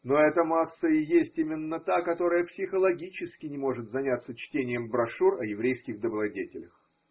Но эта масса и есть именно та, которая психологически не может заняться чтением брошюр о еврейских добродетелях.